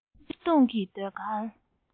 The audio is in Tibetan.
བརྩེ དུང གི ཟློས གར